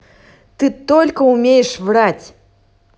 ты только умеешь врать